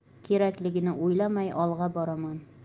kerakligini o'ylamay olg'a boraman